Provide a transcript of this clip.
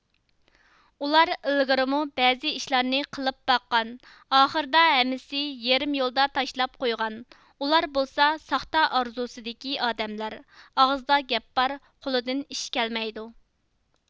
ئۇلار ئىلگىرىمۇ بەزى ئىشلارنى قىلىپ باققان ئاخىرىدا ھەممىسى يېرىم يولدا تاشلاپ قويغان ئۇلار بولسا ساختا ئارزۇسىدىكى ئادەملەر ئاغزىدا گەپ بار قولىدىن ئىش كەلمەيدۇ